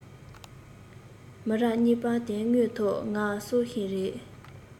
མི རབས གཉིས པར དོན དངོས ཐོག ང སྲོག ཤིང རེད